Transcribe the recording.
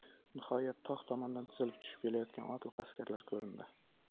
nihoyat tog' tomondan tizilib tushib kelayotgan otliq askarlar ko'rindi